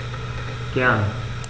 Gern.